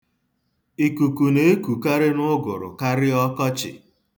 Ikuku na-ekukarị n'ụgụrụ karịa ọkọchị.